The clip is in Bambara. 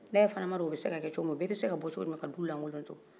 ne yɛrɛ fana m'a dɔn o bɛ se ka kɛ cogo min o bɛɛ bɛ se ka bɔ cogo jumɛn ka du lankolon to